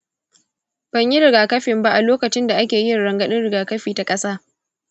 ban yi rigakafin ba a lokacin da ake yin rangadin riga kafi ta ƙasa.